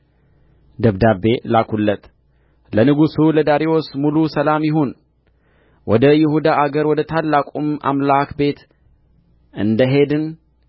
ደብዳቤ ላኩለት ለንጉሡ ለዳርዮስ ሙሉ ሰላም ይሁን ወደ ይሁዳ አገር ወደ ታላቁም አምላክ ቤት እንደ ሄድን